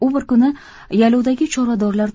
u bir kuni yaylovdagi chorvadorlar